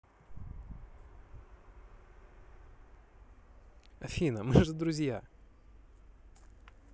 афина мы же друзья